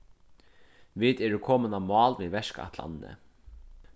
vit eru komin á mál við verkætlanini